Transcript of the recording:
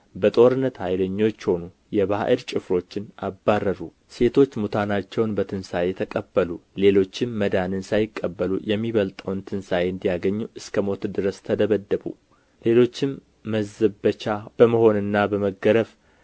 በጦርነት ኃይለኞች ሆኑ የባዕድ ጭፍሮችን አባረሩ ሴቶች ሙታናቸውን በትንሣኤ ተቀበሉ ሌሎችም መዳንን ሳይቀበሉ የሚበልጠውን ትንሣኤ እንዲያገኙ እስከ ሞት ድረስ ተደበደቡ ሌሎችም መዘበቻ በመሆንና በመገረፍ